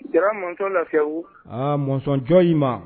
Sira mɔnzɔn na nɔfɛ a mɔnzɔn jɔn i ma